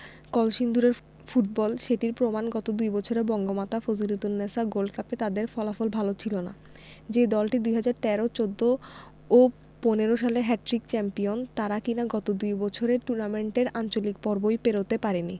কলসিন্দুরের ফুটবল সেটির প্রমাণ গত দুই বছরে বঙ্গমাতা ফজিলাতুন্নেছা গোল্ড কাপে তাদের ফলাফল ভালো ছিল না যে দলটি ২০১৩ ২০১৪ ও ২০১৫ সালে হ্যাটট্রিক চ্যাম্পিয়ন তারা কিনা গত দুই বছরে টুর্নামেন্টের আঞ্চলিক পর্বই পেরোতে পারেনি